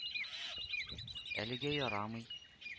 — әлегә ярамый